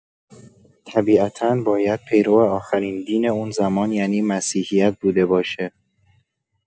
طبیعتا باید پیرو آخرین دین اون زمان یعنی مسیحیت بوده باشه.